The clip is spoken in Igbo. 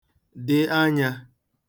dị anyā